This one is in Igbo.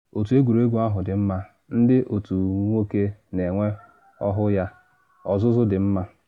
Otu egwuregwu ahụ dị mma, ndị otu m nwoke na enwe ọhụụ ya; ọzụzụ dị mma.